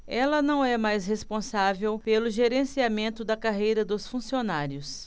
ela não é mais responsável pelo gerenciamento da carreira dos funcionários